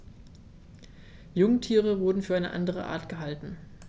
Jungtiere wurden für eine andere Art gehalten.